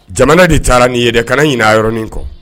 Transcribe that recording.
Jamana de taara n nin ye de kana ɲin a yɔrɔin kɔ